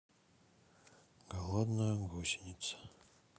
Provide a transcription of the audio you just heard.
голодная гусеница